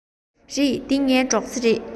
རེད འདི ངའི སྒྲོག རྩེ རེད